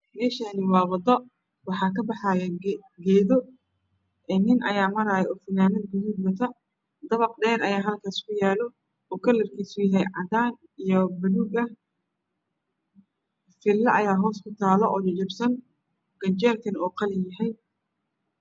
Meeshaani waa wado waxaa kabaxaayo geedo nin ayaa maraayo ookiyaalo gaduud wato. Dabaq dheer ayaa halkaas ku yaalo oo kalarkiisu yahay cadaan iyo buluug. Fillo ayaa hoos kutaalo oo jajabsan ganjeelkana uu qalin yahay.